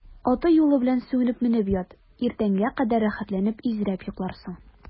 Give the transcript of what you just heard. Аты-юлы белән сүгенеп менеп ят, иртәнгә кадәр рәхәтләнеп изрәп йокларсың.